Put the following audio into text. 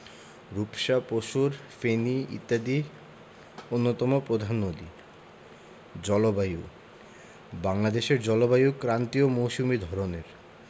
রূপসা পসুর ফেনী ইত্যাদি অন্যতম প্রধান নদী জলবায়ুঃ বাংলাদেশের জলবায়ু ক্রান্তীয় মৌসুমি ধরনের